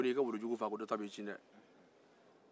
ko n'i y'i wulujugu faa ko dɔ ta b'i kin dɛ